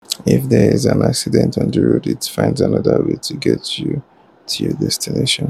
If there’s an accident on the road it finds another way to get you to your destination.